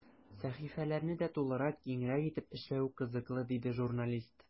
Сәхифәләрне дә тулырак, киңрәк итеп эшләве кызыклы, диде журналист.